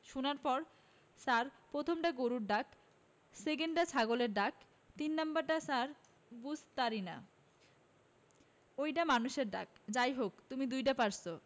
শোনার পর ছার প্রথমডা গরুর ডাক সেকেন ডা ছাগলের ডাক তিন নাম্বারডা ছার বুঝতারিনা ওইডা মানুষের ডাক যাই হোক তুমি দুইডা পারছো